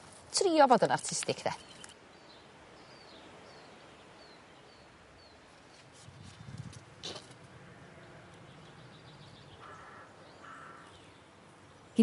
Trio fod yn artistig, 'de?